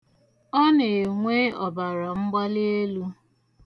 Ọ na-enwe ọbaramgbalielu.